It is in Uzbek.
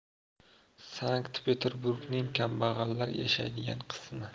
sankt peterburgning kambag'allar yashaydigan qismi